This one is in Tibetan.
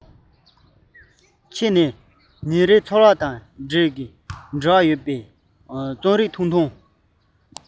ཁྱོད ཀྱི ཉིན རེའི ཚོར བ དང འབྲེལ བ ཡོད པའི རྩོམ རིག ཐུང ཐུང དང